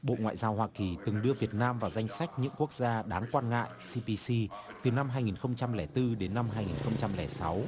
bộ ngoại giao hoa kỳ từng đưa việt nam vào danh sách những quốc gia đáng quan ngại xi pi xi từ năm hai nghìn không trăm lẻ tư đến năm hai nghìn không trăm lẻ sáu